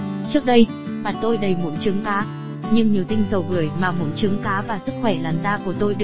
trước đây mặt tôi đầy mụn trứng cá nhưng nhờ tinh dầu bưởi mà mụn trứng cá và sức khỏe làn da của tôi